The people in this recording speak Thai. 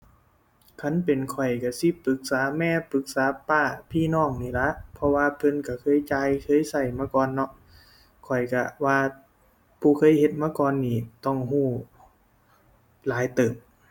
คันเป็นข้อยก็สิปรึกษาแม่ ปรึกษาป้า พี่น้องนี่ล่ะ เพราะว่าเพิ่นก็เคยจ่าย เคยก็มาก่อนเนาะ ข้อยก็ว่าผู้เคยเฮ็ดมาก่อนนี้ต้องก็หลายเติบ